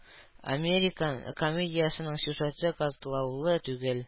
«американ» комедиясенең сюжеты катлаулы түгел.